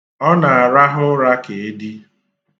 Ọ na-arahụ ụra ka edi.